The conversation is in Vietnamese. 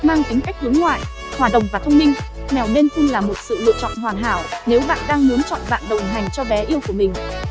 mang tính cách hướng ngoại hòa đồng và thông minh mèo maine coon là một sự lựa chọn hoàn hảo nếu bạn đang muốn chọn bạn đồng hành cho bé yêu của mình